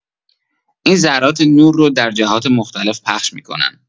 این ذرات نور رو در جهات مختلف پخش می‌کنن.